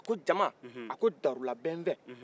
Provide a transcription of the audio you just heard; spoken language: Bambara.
a ko jama a ko darula bɛ n fɛ